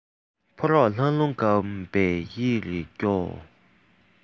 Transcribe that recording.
ཕོ རོག ལྷགས རླུང འགམ པ ཡི རེ འཕྱ